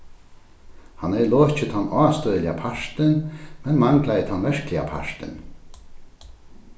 hann hevði lokið tann ástøðiliga partin men manglaði tann verkliga partin